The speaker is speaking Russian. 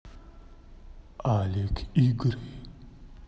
алик игры